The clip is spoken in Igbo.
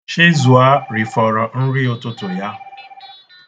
Chizụa rifọrọ nri ụtụtụ ya.